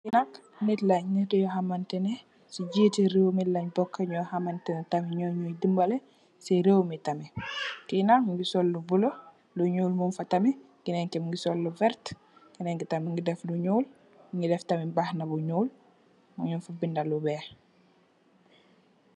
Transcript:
Ne ai net len ngu mbka si ngti rewmi lenboka. ñu ngi debale sirewmitamit. kenak mu nge sol lu bolo lo nul mugi fata kenen ke mu nge sol lu verterkenenkitamit mugi def lu nul mugi def tamit mbahana bu nglu am tamit lu weyh.